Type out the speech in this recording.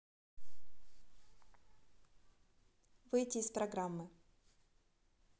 выйти из программы